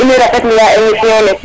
in way rafetlu wa emission ne